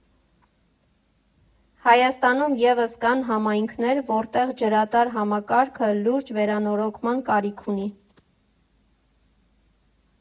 Հայաստանում ևս կան համայնքներ, որտեղ ջրատար համակարգը լուրջ վերանորոգման կարիք ունի։